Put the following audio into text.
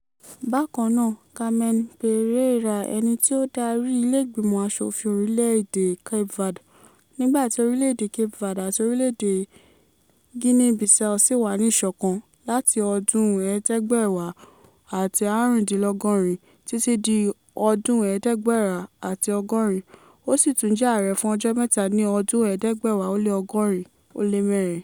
Bákan náà, Camen Pereira, ẹni tí ó dárí ilé ìgbìmọ̀ as òfin orílẹ̀ èdè Cape Verde (nígbà tí orílẹ̀ èdè Cape Verde àti orílẹ́ èdè Guinea Bissau sì wà ní ìṣọ̀kan) láti ọdún 1975 títí di ọdún 1980, ó sì tún jẹ ààrẹ fún ọjọ́ mẹ́ta ní ọdún 1984.